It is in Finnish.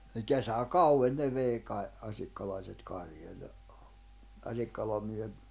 niin kesäkauden ne vei kai asikkalalaiset karjoja Asikkalan miehet